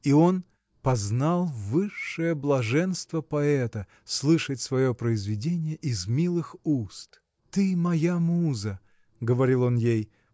и он познал высшее блаженство поэта – слышать свое произведение из милых уст . Ты моя муза – говорил он ей